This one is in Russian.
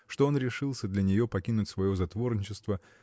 что он решился для нее покинуть свое затворничество